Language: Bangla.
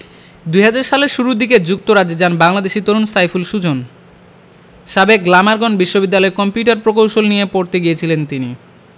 ২০০০ সালের শুরু দিকে যুক্তরাজ্যে যান বাংলাদেশি তরুণ সাইফুল সুজন সাবেক গ্লামারগন বিশ্ববিদ্যালয়ে কম্পিউটার প্রকৌশল নিয়ে পড়তে গিয়েছিলেন তিনি